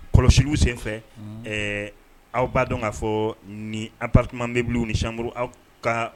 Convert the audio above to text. Kɔlɔsiw senfɛ ɛɛ aw b'a dɔn k'a fɔ ni anpriti bɛbili ni samuruuru aw ka